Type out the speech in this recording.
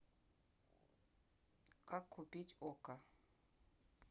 как купить okko